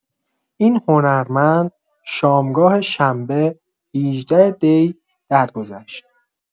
این هنرمند شامگاه شنبه ۱۸ دی درگذشت.